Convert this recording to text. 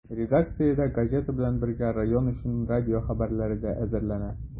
Редакциядә, газета белән бергә, район өчен радио хәбәрләре дә әзерләнә.